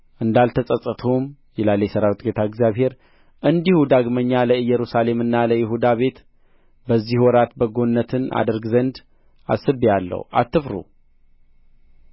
እንዳልተጸጸትሁም ይላል የሠራዊት ጌታ እግዚአብሔር እንዲሁ ዳግመኛ ለኢየሩሳሌምና ለይሁዳ ቤት በዚህ ወራት በጎነትን አደርግ ዘንድ አስቤአለሁ አትፍሩ